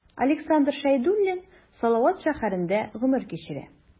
Александр Шәйдуллин Салават шәһәрендә гомер кичерә.